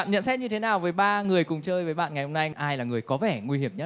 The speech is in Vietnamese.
bạn nhận xét như thế nào với ba người cùng chơi với bạn ngày hôm nay ai là người có vẻ nguy hiểm nhất